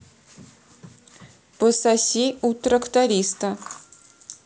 пососи у тракториста